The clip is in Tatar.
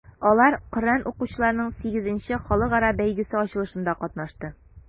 Алар Коръән укучыларның VIII халыкара бәйгесе ачылышында катнашты.